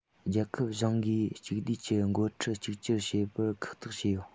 རྒྱལ ཁབ གཞུང གིས གཅིག བསྡུས ཀྱིས འགོ ཁྲིད གཅིག གྱུར བྱེད པར ཁག ཐེག བྱས ཡོད